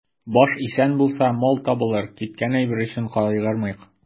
Баш исән булса, мал табылыр, киткән әйбер өчен кайгырмыйк.